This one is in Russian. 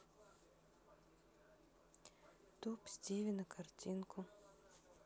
топ стивена картинку